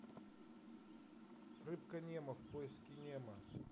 рыбка немо в поиске немо